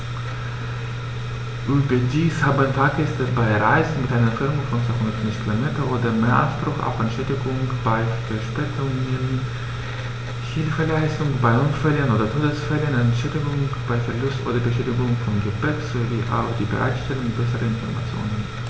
Überdies haben Fahrgäste bei Reisen mit einer Entfernung von 250 km oder mehr Anspruch auf Entschädigung bei Verspätungen, Hilfeleistung bei Unfällen oder Todesfällen, Entschädigung bei Verlust oder Beschädigung von Gepäck, sowie auf die Bereitstellung besserer Informationen.